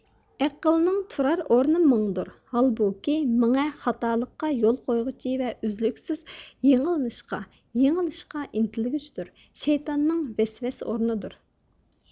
ئەقىلنىڭ تۇرار ئورنى مىڭىدۇر ھالبۇكى مېڭە خاتالىققا يول قويغۇچى ۋە ئۈزلۈكسىز يېڭىلىنىشقا يېڭىلىشكە ئىنتىلگۈچىدۇر شەيتاننىڭ ۋەسۋەسە ئورنىدۇر